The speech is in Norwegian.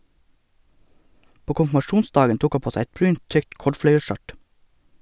På konfirmasjonsdagen tok han på seg et brunt, tykt kordfløyelsskjørt.